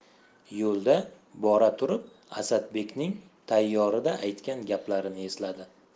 yo'lda bora turib asadbekning tayyorada aytgan gaplarini esladi